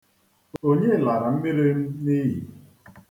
Onye lara mmiri m n'iyi?